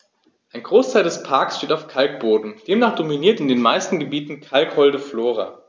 Ein Großteil des Parks steht auf Kalkboden, demnach dominiert in den meisten Gebieten kalkholde Flora.